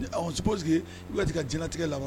Sigi ka jinɛtigɛ la wa